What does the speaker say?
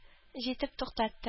Җитеп туктатты